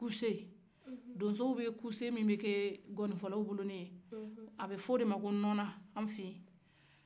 kusen donso bɛ kusen min bɛ kɛ ŋonifɔbolo a bɛ fɔ o de ma ko nɔna an fɛ ye